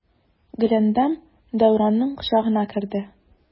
Гөләндәм Дәүранның кочагына керде.